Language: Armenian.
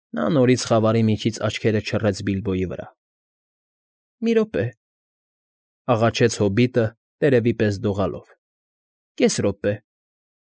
Նա նորից խավարի միջից աչքերը չռեց Բիլբոյի վրա։ ֊ Մի րոպե,֊ աղաչեց հոբիտը՝ տերևի պես դողալով։֊ Կես րոպե։